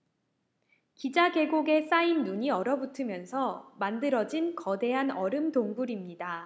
기자 계곡에 쌓인 눈이 얼어붙으면서 만들어진 거대한 얼음 동굴입니다